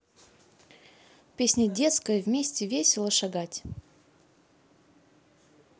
песня детская вместе весело шагать